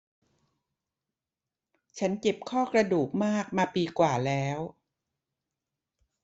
ฉันเจ็บข้อกระดูกมากมาปีกว่าแล้ว